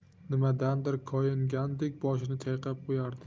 nimadandir koyingandek boshini chayqab qo'yardi